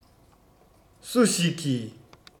སུ ཞིག གིས